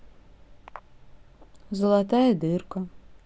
золотая дырка